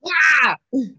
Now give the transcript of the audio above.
Waa!